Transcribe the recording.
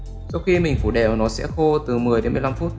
sau khi phủ đều nó sẽ khô từ đến phút